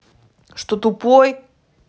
что тупой